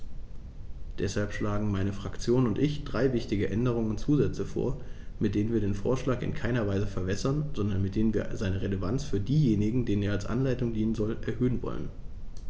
Deshalb schlagen meine Fraktion und ich drei wichtige Änderungen und Zusätze vor, mit denen wir den Vorschlag in keiner Weise verwässern, sondern mit denen wir seine Relevanz für diejenigen, denen er als Anleitung dienen soll, erhöhen wollen.